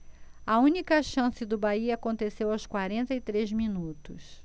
a única chance do bahia aconteceu aos quarenta e três minutos